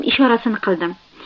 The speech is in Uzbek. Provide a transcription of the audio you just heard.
ishorasini qildim